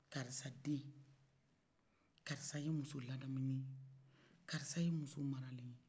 karisa den karisa ye muso ladamulen ye karisa ye muso maralen ye